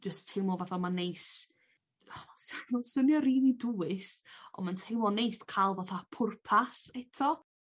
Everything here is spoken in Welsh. jyst teimlo fatha ma' neis... Ho sw- hma'n swnio rili dwys on' ma'n teimlo'n neis ca'l fatha pwrpas eto.